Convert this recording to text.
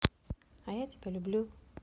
а я тебя люблю